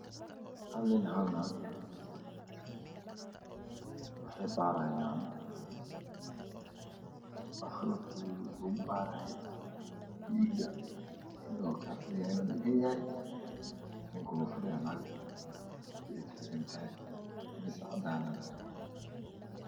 Waxay baarayan khlabkii dhiga daganyaah fadhiyaan miis cadaan Aya horyaalo